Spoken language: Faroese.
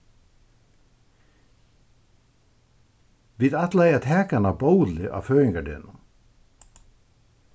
vit ætlaðu at taka hana á bóli á føðingardegnum